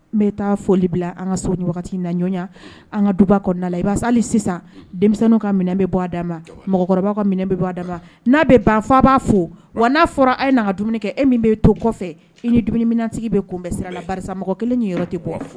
N bɛ taa foli bila an ka so wagati na ɲɔgɔnya an ka du kɔnɔna la i' sa sisan denmisɛnw ka minɛn bɛ bɔ a da ma mɔgɔkɔrɔba ka minɛ bɛ' ma n'a bɛ banfa b'a fo wa n'a fɔra a ye na ka dumuni kɛ e min bɛ to kɔfɛ i ni dumuniminatigi bɛ kun bɛ sira la mɔgɔ kelen ni yɔrɔ tɛ bɔ